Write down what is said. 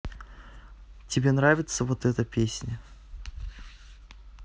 тебе нравится вот эта песня